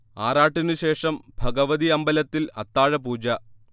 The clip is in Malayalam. ആറാട്ടിനുശേഷം ഭഗവതി അമ്പലത്തിൽ അത്താഴപൂജ